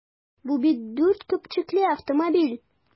Бу бит дүрт көпчәкле автомобиль!